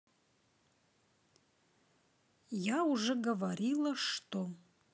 я уже говорила что